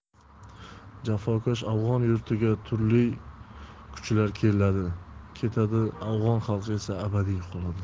jafokash afg'on yurtiga turli kuchlar keladi ketadi afg'on xalqi esa abadiy qoladi